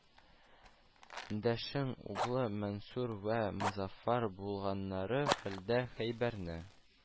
Дәшең углы мәнсүр вә мозаффар булганнары хәлдә хәйбәрне